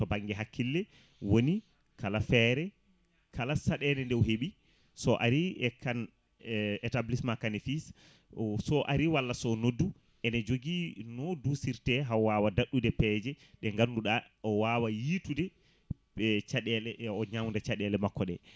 to banggue hakkille woni kala feere kala saɗede nde o heeɓi so ari e Kane e établissement Kane et fils o so ari walla so noddu ene jogui no dusirte haw wawa dadɗude peeje ɗe ganduɗa o wawa yiitude ɗe caɗele o ñawda caɗele makko ɗe